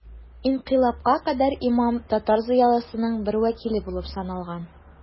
Инкыйлабка кадәр имам татар зыялысының бер вәкиле булып саналган.